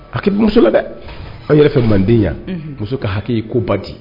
Aki la dɛ an yɛrɛ fɛ manden yan muso ka hakili ko ba di